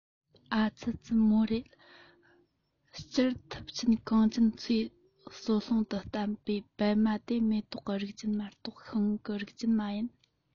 ཨ ཙི ཙི མོ རེ སྤྱིར ཐུབ ཆེན གངས ཅན མཚོའི གསོལ ལྷུང དུ བལྟམས པའི པད མ དེ མེ ཏོག གི རིགས ཅན མ གཏོགས ཤིང གི རིགས ཅན མིན